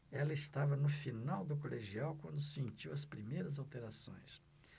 ele estava no final do colegial quando sentiu as primeiras alterações